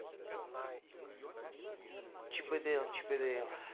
чип и дейл чип и дейл